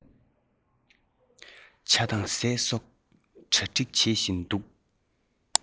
ཇ དང ཟས སོགས གྲ སྒྲིག བྱེད བཞིན འདུག